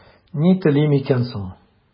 Ни телим икән соң?